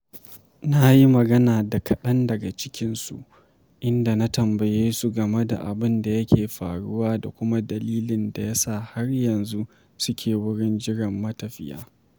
Na yi magana da kaɗan daga cikinsu, inda na tambaye su game da abin da yake faruwa da kuma dalilin da ya sa har yanzu suke wurin jiran matafiya.